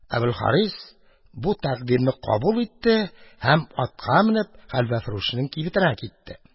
Әбелхарис бу тәкъдимне кабул итте һәм, атка менеп, хәлвәфрүшнең кибетенә китте.